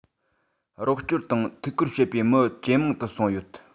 རོགས སྐྱོར དང ཐུགས ཁུར བྱེད པའི མི ཇེ མང དུ སོང ཡོད